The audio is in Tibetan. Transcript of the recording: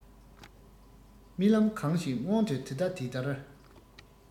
རྨི ལམ གང ཞིག མངོན དུ དེ ལྟ དེ ལྟར